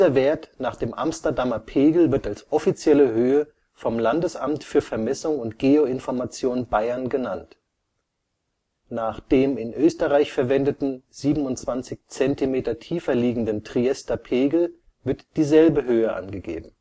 Wert nach dem Amsterdamer Pegel wird als offizielle Höhe vom Landesamt für Vermessung und Geoinformation Bayern genannt. Nach dem in Österreich verwendeten 27 cm tiefer liegenden Triester Pegel wird dieselbe Höhe angegeben